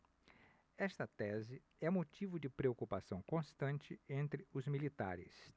esta tese é motivo de preocupação constante entre os militares